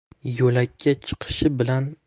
yo'lakka chiqishi bilan